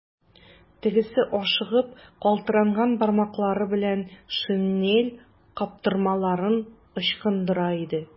Тегесе ашыгып, калтыранган бармаклары белән шинель каптырмаларын ычкындыра иде.